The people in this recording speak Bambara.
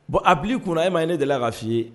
Bon a bila i kun na, e ma ye ne deli la k'a f'i ye